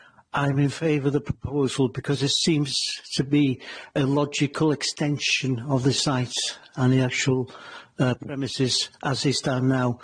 I'm in favour of the proposal because it seems to be a logical extension of this site and the actual yy premises as it stand now.